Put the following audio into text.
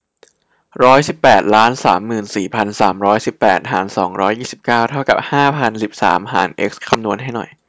ร้อยสิบแปดล้านสามหมื่นสี่พันสามร้อยสิบแปดหารสองร้อยยี่สิบเก้าเท่ากับห้าพันสิบสามหารเอ็กซ์คำนวณให้หน่อย